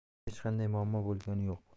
hech qanday muammo bo'lgani yo'q